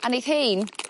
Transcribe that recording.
a neith hein